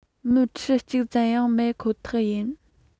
མི ཁྲི གཅིག ཙམ ཡང མེད ཁོ ཐག ཡིན